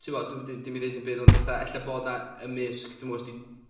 t'mod, dwi mynd i dim i ddeud 'im byd, ond fatha ella bod 'na ymysg, dw'mo' os 'di 'di...